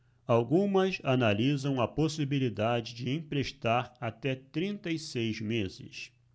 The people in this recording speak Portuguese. algumas analisam a possibilidade de emprestar até trinta e seis meses